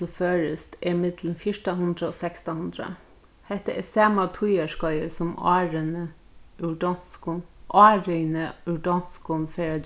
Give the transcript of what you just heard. til føroyskt er millum fjúrtan hundrað og sekstan hundrað hetta er sama tíðarskeiðið sum árini úr donskum árinið úr donskum fer at